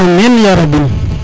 amin yarabin